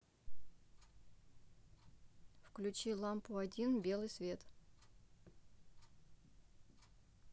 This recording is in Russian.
включи лампу один белый цвет